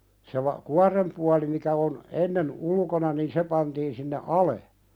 se - kuoren puoli mikä on ennen ulkona niin se pantiin sinne alas